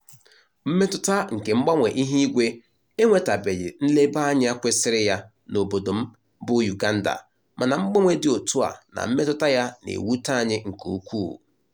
Mmetụta nke mgbanwe ihuigwe enwetabeghị nlebanyeanya kwesịrị ya n'obodo m bụ Uganda mana mgbanwe dị otú a na mmetụta ya na-ewute anyị nke ukwuu.